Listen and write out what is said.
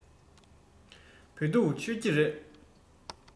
བོད ཐུག མཆོད ཀྱི རེད